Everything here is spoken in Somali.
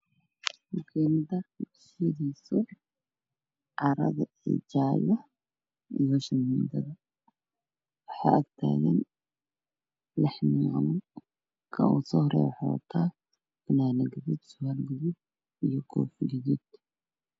Waa makiinadaha wax lagu sheego o ku jiraan kartaan waxaa lagu sheegayaa khudaar ta yaanyo yoo basal oo isku dhegan